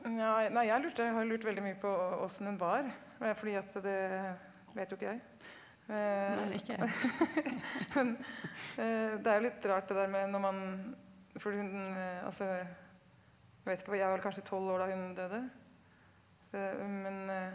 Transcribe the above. nja nei jeg lurte har lurt veldig mye på åssen hun var fordi at det vet jo ikke jeg men det er jo litt rart det der når man fordi hun altså jeg vet ikke jeg var vel kanskje tolv år da hun døde så men .